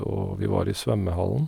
Og vi var i svømmehallen.